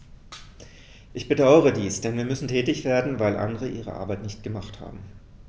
Ich bedauere dies, denn wir müssen tätig werden, weil andere ihre Arbeit nicht gemacht haben.